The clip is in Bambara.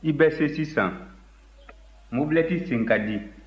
i bɛ se sisan mobilɛti sen ka di